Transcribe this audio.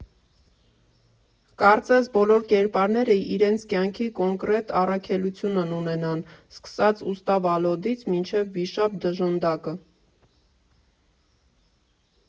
Կարծես բոլոր կերպարները իրենց կյանքի կոնկրետ առաքելությունն ունենան՝ սկսած ուստա Վալոդից մինչև վիշապ Դժնդակը։